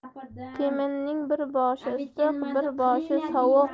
temiming bir boshi issiq bir boshi sovuq